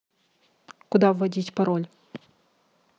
куда вводить пароль